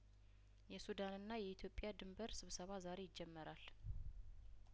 የሱዳንና የኢትዮጵያ ድንበር ስብሰባ ዛሬ ይጀመራል